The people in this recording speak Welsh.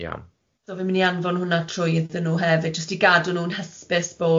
so fi'n mynd i anfon hwnna trwy iddyn nhw hefyd jyst i gadw nhw'n hysbys bod